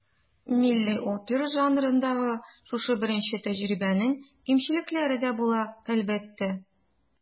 Милли опера жанрындагы шушы беренче тәҗрибәнең кимчелекләре дә була, әлбәттә.